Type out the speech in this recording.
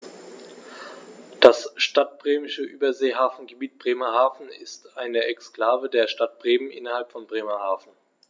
Das Stadtbremische Überseehafengebiet Bremerhaven ist eine Exklave der Stadt Bremen innerhalb von Bremerhaven.